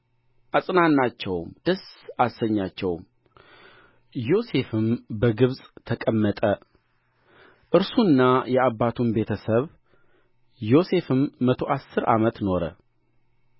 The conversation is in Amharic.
አጽናናቸውም ደስ አሰኛቸውም ዮሴፍም በግብፅ ተቀመጠ እርሱና የአባቱም ቤተ ሰብ ዮሴፍም መቶ አሥር ዓመት ኖረ